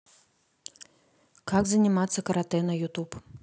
как заниматься карате на ютуб